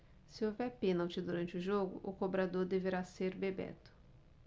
se houver pênalti durante o jogo o cobrador deverá ser bebeto